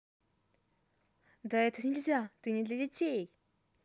да это нельзя ты не для детей